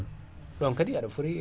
ɗon kaadi aɗa foori